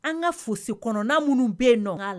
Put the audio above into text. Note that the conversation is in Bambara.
An ka fosi kɔnɔna minnu bɛ yen nɔ